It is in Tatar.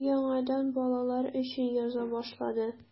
Өр-яңадан балалар өчен яза башлады.